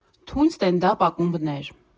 Թույն ստենդափ ակումբներ։